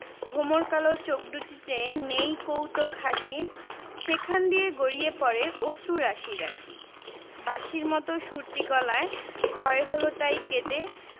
ভমর কালো চোখ দুটিতে নেই কৌতুক হাসি সেখান দিয়ে গড়িয়ে পড়ে অশ্রু রাশি রাশি বাঁশির মতো সুরটি গলায় ক্ষয় হল তাই কেঁদে